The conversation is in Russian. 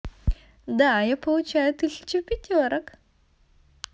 да я получаю тысяча пятерок